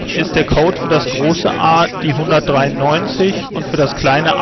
ist der Code für das große „ A “die 193 und für das kleine